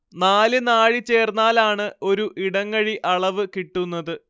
നാല് നാഴി ചേർന്നാലാണ് ഒരു ഇടങ്ങഴി അളവ് കിട്ടുന്നത്